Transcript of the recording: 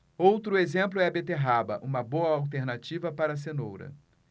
outro exemplo é a beterraba uma boa alternativa para a cenoura